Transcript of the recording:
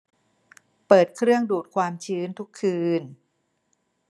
เปิดเครื่องดูดความชื้นทุกคืน